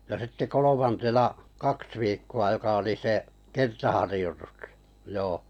ja sitten kolmantena kaksi viikkoa joka oli se kertaharjoitusta joo